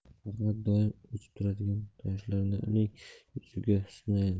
faqat doim uchib turadigan qoshlari uning yuziga husn edi